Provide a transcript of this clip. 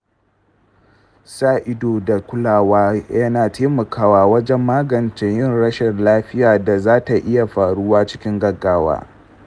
sa ido da kulawa yana taimakawa wajen magance 'yar rashin lafiya da zata iya faruwa cikin gaggawa.